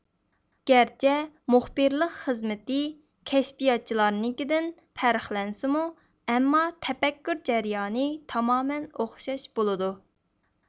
گەرچە مۇخبىرلىق خىزمىتى كەشپىياتچىلارنىڭكىدىن پەرقلەنسىمۇ ئەمما تەپەككۈر جەريانى تامامەن ئوخشاش بولىدۇ